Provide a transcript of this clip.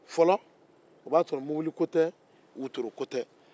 fɔlɔ o b'a sɔrɔ mɔbili ko tɛ wotoro ko tɛ